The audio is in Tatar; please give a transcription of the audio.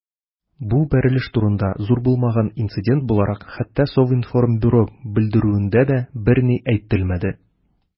Бу бәрелеш турында, зур булмаган инцидент буларак, хәтта Совинформбюро белдерүендә дә берни әйтелмәде.